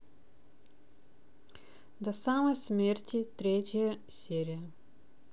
до самой смерти третья серия